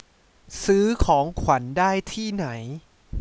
ซื้อของขวัญได้ที่ไหน